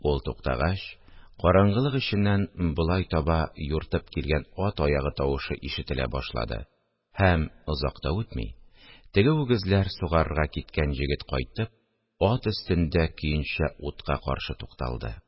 Ул туктагач, караңгылык эченнән болай таба юыртып килгән ат аягы тавышы ишетелә башлады, һәм, озак та үтми, теге үгезләр сугарырга киткән җегет кайтып, ат өстендә көенчә утка каршы тукталды